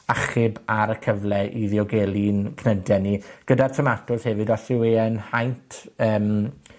achub ar y cyfle i ddiogelu'n cnyde ni, gyda'r tomatos hefyd, os yw e yn haint yym